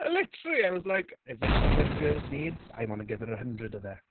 Ie literally, I was like, if this all the girl's needs? I want to give her a hundred of it.